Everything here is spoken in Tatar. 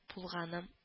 Булганым